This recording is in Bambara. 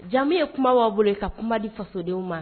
Jamu ye kuma b'a bolo ka kuma di fasodenw ma